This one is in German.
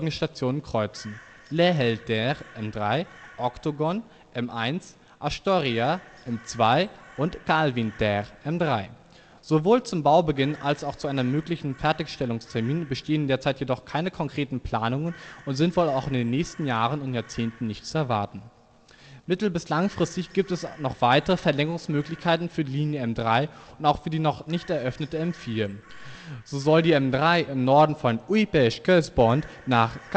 Stationen kreuzen: Lehel tér (M3), Oktogon (M1), Astoria (M2) und Kálvin tér (M3). Sowohl zum Baubeginn als auch zu einem möglichen Fertigstellungstermin bestehen derzeit jedoch keine konkreten Planungen und sind wohl auch in den nächsten Jahren und Jahrzehnten nicht zu erwarten. Mittel - bis langfristig gibt es noch weitere Verlängerungsmöglichkeiten für die Linie M3 und auch für die noch nicht eröffnete M4. So soll die M3 im Norden von Újpest-Központ nach Káposztásmegyer